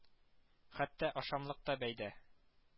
Хәтта ашамлык та бәйдә